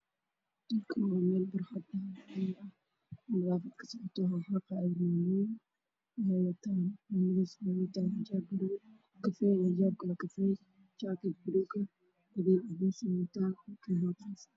Meeshaan waa meel barxad ah oo nadaafad kasocoto waxaa xaaqaayo maamooyin waxay wataan xijaab buluug, xijaab kafay mid kaloo kafay ah, jaakad buluug iyo budeel cadeys ayay wadataa.